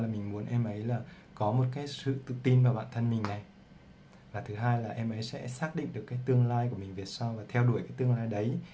mình muốn em ấy có sự tự tin vào bản thân mình và em ấy sẽ xác định được tương lai của mình về sau và theo đuổi tương lai ấy